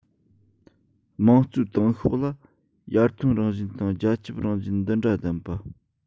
དམངས གཙོའི ཏང ཤོག ལ ཡར ཐོན རང བཞིན དང རྒྱ ཁྱབ རང བཞིན འདི འདྲ ལྡན པ